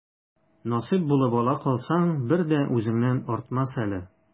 Насыйп булып ала калсаң, бер дә үзеңнән артмас әле.